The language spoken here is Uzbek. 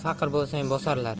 faqir bo'lsang bosarlar